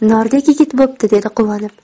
nordek yigit bo'pti dedi quvonib